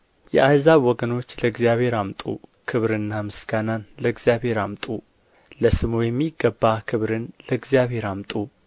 የአሕዛብ ወገኖች ለእግዚአብሔር አምጡ ክብርና ምስጋናን ለእግዚአብሔር አምጡ ለስሙ የሚገባ ክብርን ለእግዚአብሔር አምጡ